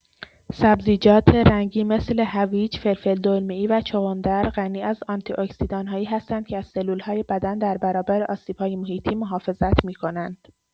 سبزیجات رنگی مثل هویج، فلفل دلمه‌ای و چغندر غنی از آنتی‌اکسیدان‌هایی هستند که از سلول‌های بدن در برابر آسیب‌های محیطی محافظت می‌کنند.